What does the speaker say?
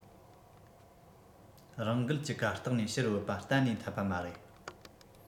རང འགུལ ཀྱི གར སྟེགས ནས ཕྱིར བུད པ གཏན ནས འཐད པ མ རེད